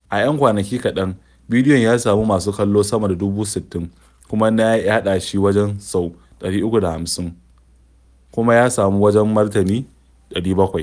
A 'yan kwanaki kaɗan, bidiyon ya samu masu kallo sama da dubu 60, kuma na yaɗa shi wajen sau 350 kuma ya samu wajen martani 700.